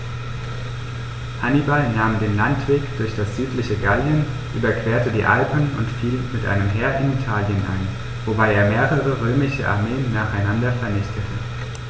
Hannibal nahm den Landweg durch das südliche Gallien, überquerte die Alpen und fiel mit einem Heer in Italien ein, wobei er mehrere römische Armeen nacheinander vernichtete.